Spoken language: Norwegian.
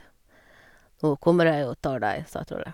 Nå kommer jeg og tar deg, sa trollet.